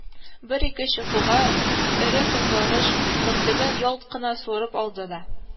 Бер-ике чукуга, эре көнбагыш бөртеген ялт кына суырып алды да